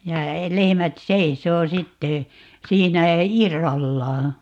ja lehmät seisoo sitten siinä irrallaan